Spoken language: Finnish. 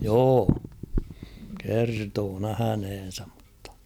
joo kertoi nähneensä mutta